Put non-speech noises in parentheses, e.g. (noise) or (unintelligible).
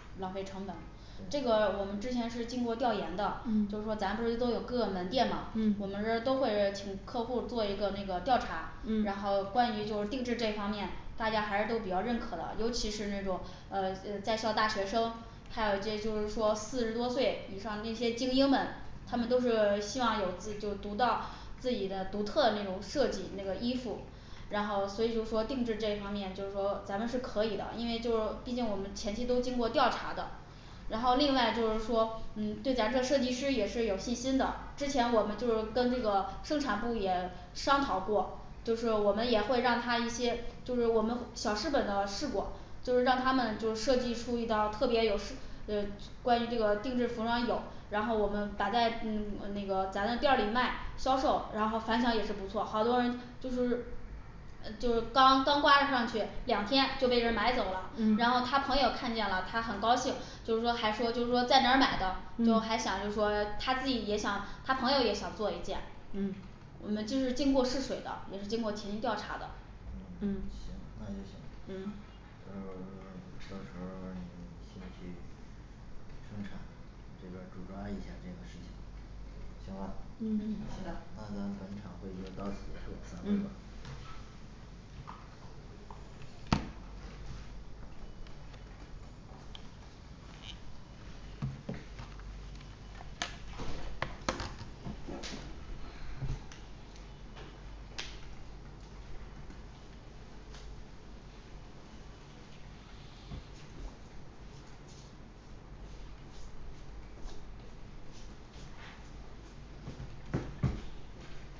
嗯浪费成本就这个我们之前是经过调研的嗯就说咱们不是都有各门店吗嗯，我们这是都会请客户做一个那个调查，然嗯后关于就是定制这方面大家还是对都比较认可的，尤其是那种呃嗯在校大学生还有这就是说四十多岁以上那些精英们他们都是希望有自己有就独到自己的独特的那种设计那个衣服然后所以就是说定制这一方面就是说咱们是可以的，因为就是毕竟我们前期都经过调查的然后另外就是嗯说对咱这设计师也是有信心的，之前我们就是跟这个生产部也商讨过就是我们也会让他一些就我们小试本的试过，就是让他们就是设计出一道特别有是 (unintelligible) 呃关于这个定制服装有然后我们摆在嗯那个咱们店儿里卖销售，然后反响也是不错好多人就是呃就刚刚挂上去两天就被人买走了，然后嗯他朋友看见了，他很高兴，就是说还是说就是说在哪买的，就还想嗯就是说他自己也想他朋友也想做一件嗯那就是经过试水的，也是经过前期调查的嗯嗯嗯行那就行到时候儿不行到时候儿你们一起去市场这边儿主抓一下儿这个事情行吧，嗯嗯那咱本场会议就到此结束，行散会嗯吧